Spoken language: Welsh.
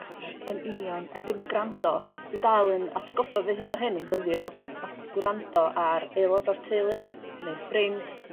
Gosh yn union yndi ma' grando dw i'n dal yn atgoffa fy hun o hyn yn ddyddiol ma' gwrando ar aelod o'r teulu ne' ffrind